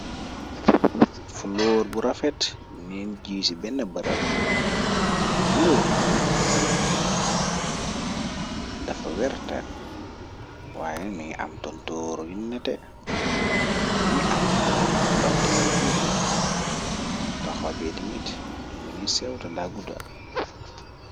Floor bu rafet neen jii si benn barëb flor bi dafa werta waaye mingi am tontooro yu nete ningi am bante yu gudd texo beeti mit yi mi ngi sewta da gudda.